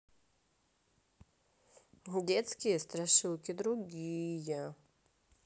детские страшилки другие